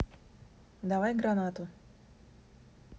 давай гранату